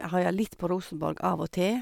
Jeg heier litt på Rosenborg av og til.